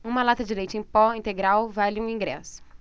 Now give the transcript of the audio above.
uma lata de leite em pó integral vale um ingresso